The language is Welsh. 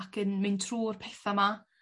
Ac yn mynd trw'r petha 'ma.